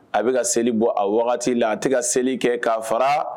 A bɛka ka seli bɔ a wagati la a tɛ ka seli kɛ ka fara